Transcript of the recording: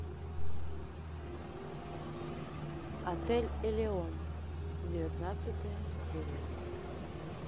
отель элеон девятнадцатая серия